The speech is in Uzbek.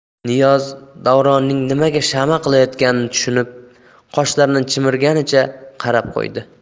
niyoz davronning nimaga shama qilayotganini tushunib qoshlarini chimirganicha qarab qo'ydi